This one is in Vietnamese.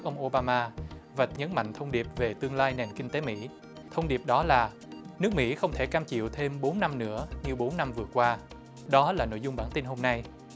ông ô ba ma và nhấn mạnh thông điệp về tương lai nền kinh tế mỹ thông điệp đó là nước mỹ không thể cam chịu thêm bốn năm nữa như bốn năm vừa qua đó là nội dung bản tin hôm nay